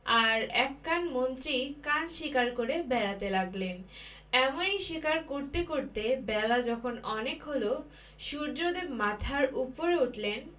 আর এক কান মন্ত্রী কান শিকার করে বেড়াতে লাগলেন এমনি শিকার করতে করতে বেলা যখন অনেক হল সূর্যদেব মাথার উপর উঠলেন